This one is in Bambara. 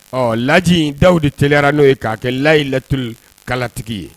Ɔ laji da de teliyara n'o'a kɛ layi laturulikalatigi ye